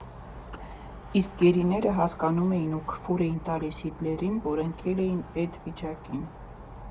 Իսկ գերիները հասկանում էին ու քֆուր էին տալիս Հիտլերին, որ ընկել էն էդ վիճակին։